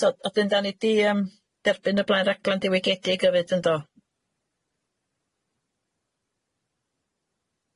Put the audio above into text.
So a-dyn dan ni di yym derbyn y blaen raglen diwygiedig yfyd yndo?